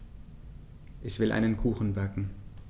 Ich will einen Kuchen backen.